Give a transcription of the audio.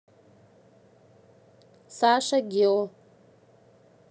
саша гео